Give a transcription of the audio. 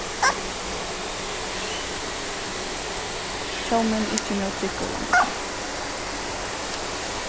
hjálmurin er ikki nóg tryggur longur tá